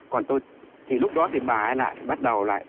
còn tôi thì lúc đó thì bà ấy lại bắt đầu lại